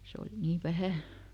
se oli niin vähän